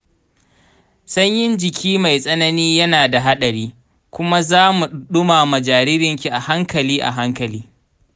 sanyin jiki mai tsanani yana da haɗari, kuma za mu ɗumama jaririnki a hankali a hankali